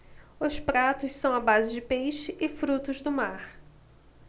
os pratos são à base de peixe e frutos do mar